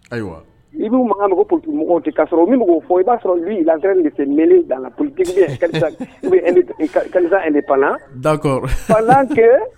Ayiwa i b' makan mako p mɔgɔw tɛ k ka sɔrɔ min' fɔ i b'a sɔrɔ la de se da la p pan da pan